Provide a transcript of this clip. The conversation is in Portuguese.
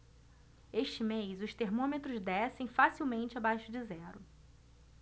este mês os termômetros descem facilmente abaixo de zero